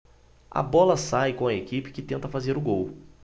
a bola sai com a equipe que tenta fazer o gol